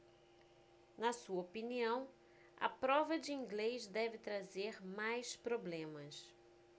na sua opinião a prova de inglês deve trazer mais problemas